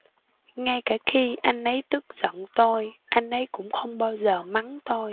ngay cả khi anh ấy tức giận tôi anh ấy cũng không bao giờ mắng tôi